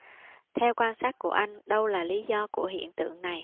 theo quan sát của anh đâu là lý do của hiện tượng này